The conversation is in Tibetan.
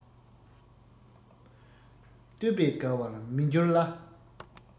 བསྟོད པས དགའ བར མི འགྱུར ལ